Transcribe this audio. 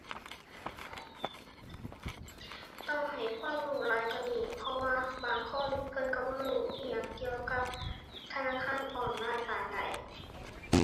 ต้องให้ความรู้หลายกว่านี้ เพราะว่าบางคนเพิ่นก็บ่รู้อิหยังเกี่ยวกับธนาคารออนไลน์ปานใด